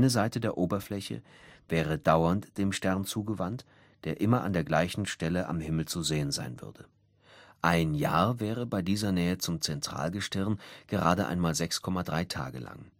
Seite der Oberfläche wäre dauernd dem Stern zugewandt, der immer an der gleichen Stelle am Himmel zu sehen sein würde. Ein Jahr wäre bei dieser Nähe zum Zentralgestirn gerade einmal 6,3 Tage lang